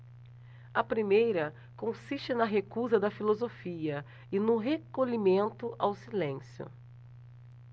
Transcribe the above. a primeira consiste na recusa da filosofia e no recolhimento ao silêncio